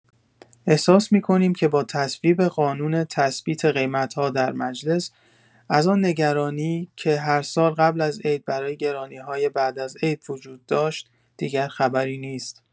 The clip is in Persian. احساس می‌کنیم که با تصویب قانون تثبیت قیمت‌ها در مجلس، از آن نگرانی که هر سال قبل از عید برای گرانی‌های بعد از عید وجود داشت، دیگر خبری نیست.